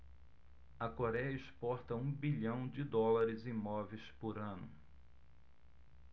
a coréia exporta um bilhão de dólares em móveis por ano